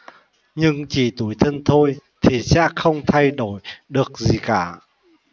nhưng chỉ tủi thân thôi thì sẽ không thay đổi được gì cả